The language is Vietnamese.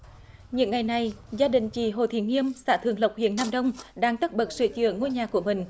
những ngày này gia đình chị hồ thị nghiêm xã thượng lộc huyện nam đông đang tất bật sửa chữa ngôi nhà của mình